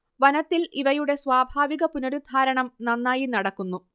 വനത്തിൽ ഇവയുടെ സ്വാഭാവിക പുനരുദ്ധാരണം നന്നായി നടക്കുന്നു